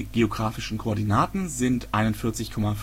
geografischen Koordinaten sind 41,53